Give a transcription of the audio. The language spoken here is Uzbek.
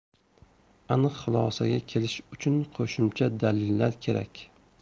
aniq xulosaga kelish uchun qo'shimcha dalillar kerak